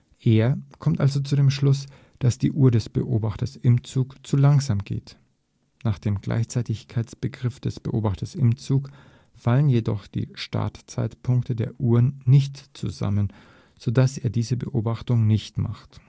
Er kommt also zu dem Schluss, dass die Uhr des Beobachters im Zug zu langsam geht. Nach dem Gleichzeitigkeitsbegriff des Beobachters im Zug fallen jedoch die Startzeitpunkte der Uhren nicht zusammen, sodass er diese Beobachtung nicht macht